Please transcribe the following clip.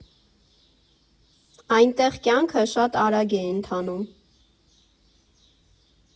Այնտեղ կյանքը շատ արագ է ընթանում։